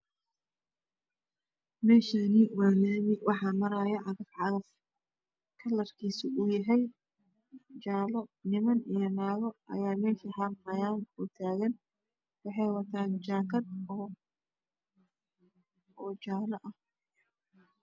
Meshaani waa laami wax marayo cagaf cagaf kalarkiisu uu yahay jaalo niman iyo nago ayaa mesha xaqayaan oo tagan waxey wataan jakat oo jaale ah